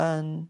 yn